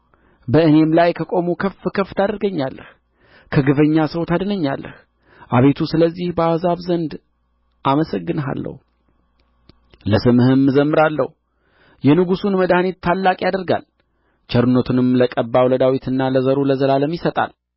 በእኔም ላይ ከቆሙ ከፍ ከፍ ታደርገኛለህ ከግፈኛ ሰው ታድነኛለህ አቤቱ ስለዚህ በአሕዛብ ዘንድ አመሰግንሃለሁ ለስምህም እዘምራለሁ የንጉሡን መድኃኒት ታላቅ ያደርጋል ቸርነቱንም ለቀባው ለዳዊትና ለዘሩ ለዘላለም ይሰጣል